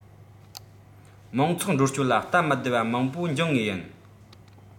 མང ཚོགས འགྲོ སྐྱོད ལ སྟབས མི བདེ བ མང པོ འབྱུང ངེས ཡིན